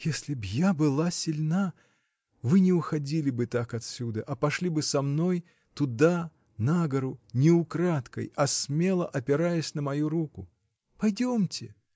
— Если б я была сильна, вы не уходили бы так отсюда, — а пошли бы со мной туда, на гору, не украдкой, а смело, опираясь на мою руку. Пойдемте!